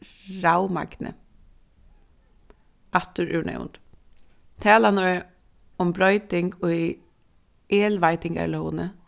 ravmagni aftur úr nevnd talan um broyting í elveitingarlógini